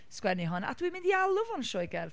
sgwennu hwn, a dwi'n mynd i alw fo'n sioe gerdd.